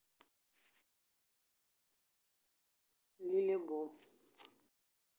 лили бу